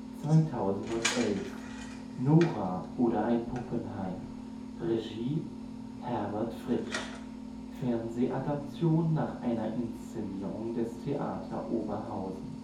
2011 – Nora oder Ein Puppenhaus - Regie: Herbert Fritsch - Fernsehadaption nach einer Inszenierung des Theater Oberhausen